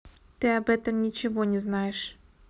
ты об этом ничего не знаешь